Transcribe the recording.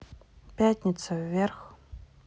пятница вверх